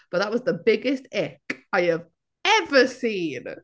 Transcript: but that was the biggest ick I have ever seen!